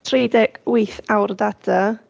tri deg wyth awr o data.